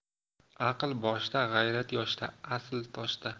aql boshda g'ayrat yoshda asl toshda